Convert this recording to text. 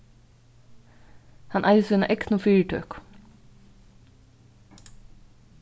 hann eigur sína egnu fyritøku